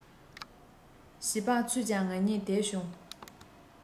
བྱིས པ ཚོས ཀྱང ང གཉིས དེད བྱུང